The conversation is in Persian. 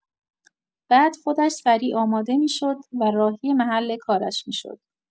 بعد خودش سریع آماده می‌شد و راهی محل کارش می‌شد.